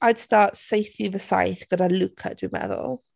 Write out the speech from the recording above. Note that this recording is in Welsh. I'd start saethu fy saeth gyda Luca, dwi'n meddwl.